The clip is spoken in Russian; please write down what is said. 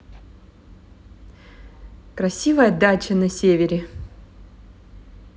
красивая дача на севере